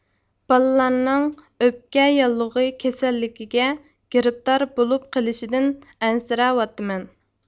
بالىلارنىڭ ئۆپكە ياللۇغى كېسەللىكىگە گىرىپتار بولۇپ قېلىشىدىن ئەنسىرەۋاتىمەن